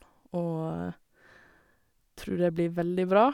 Og tror det blir veldig bra.